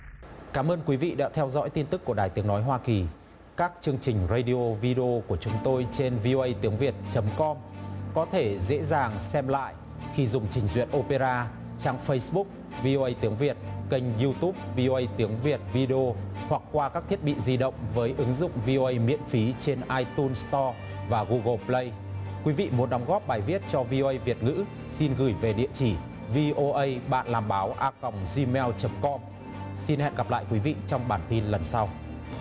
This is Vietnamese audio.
cảm ơn quý vị đã theo dõi tin tức của đài tiếng nói hoa kỳ các chương trình ra đi ô vi đi ô của chúng tôi trên vi ô ây tiếng việt chấm com có thể dễ dàng xem lại khi dùng trình duyệt ô pê ra trang phây búc vi ô ây tiếng việt kênh diu túp vi ô ây tiếng việt vi đi ô hoặc qua các thiết bị di động với ứng dụng vi ô ây miễn phí trên ai tun sờ to và gu gồ pờ lay quý vị một đóng góp bài viết cho vi ô ây việt ngữ xin gửi về địa chỉ vi ô ây bạn làm báo a còng gi meo chấm com xin hẹn gặp lại quý vị trong bản tin lần sau